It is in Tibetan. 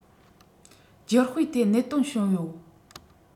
རྒྱུ སྤུས ཐད གནད དོན བྱུང ཡོད